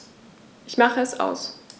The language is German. Ich mache es aus.